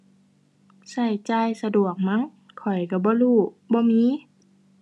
ใช้จ่ายสะดวกมั้ง ข้อยใช้บ่รู้ บ่มี